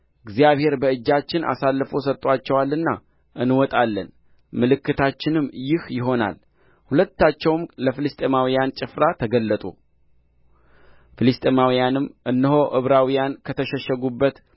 እግዚአብሔር በእጃችን አሳልፎ ሰጥቶአቸዋልና እንወጣለን ምልክታችንም ይህ ይሆናል ሁለታቸውም ለፍልስጥኤማውያን ጭፍራ ተገለጡ ፍልስጥኤማውያንም እነሆ ዕብራውያን ከተሸሸጉበት